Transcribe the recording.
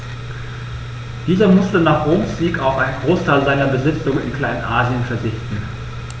Dieser musste nach Roms Sieg auf einen Großteil seiner Besitzungen in Kleinasien verzichten.